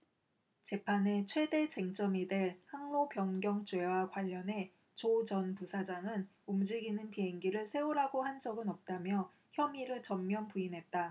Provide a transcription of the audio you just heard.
재판의 최대 쟁점이 될 항로변경죄와 관련해 조 전 부사장은 움직이는 비행기를 세우라고 한 적은 없다며 혐의를 전면 부인했다